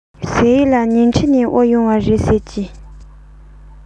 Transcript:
ཟེར ཡས ལ ཉིང ཁྲི ནས དབོར ཡོང བ རེད ཟེར གྱིས